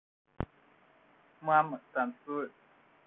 мама танцуем